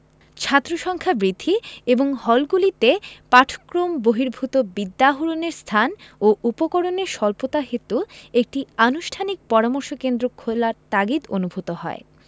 ছাত্রসংখ্যা বৃদ্ধি এবং হলগুলিতে পাঠক্রম বহির্ভূত বিদ্যা আহরণের স্থান ও উপকরণের স্বল্পতাহেতু একটি আনুষ্ঠানিক পরামর্শ কেন্দ্র খোলার তাগিদ অনুভূত হয়